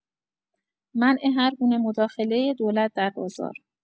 منع هرگونه مداخلۀ دولت در بازار